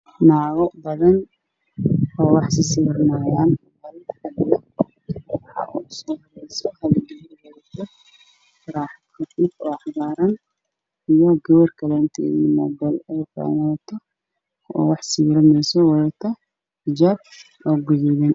Waa meel ay banaan oo gabdho badan iskugu imaada oo ay wataan cajabe iyo daraayo gabar ayaa taleefan dadku duubeyso